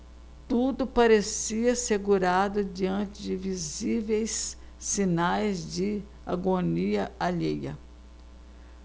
tudo parecia assegurado diante de visíveis sinais de agonia alheia